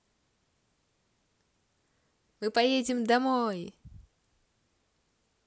мы поедем домой